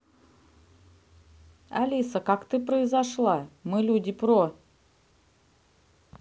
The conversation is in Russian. алиса как ты произошла мы люди про